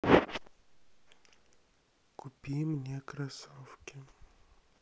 купи мне кроссовки